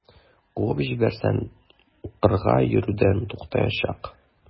Куып җибәрсәм, укырга йөрүдән туктаячак.